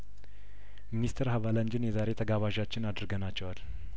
ሚኒስትር ሀቫላንጅን የዛሬ ተጋባ ዛችን አድርገናቸዋል